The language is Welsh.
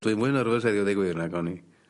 Dwi mwy nyrfys a ddeud y gwir nag o'n i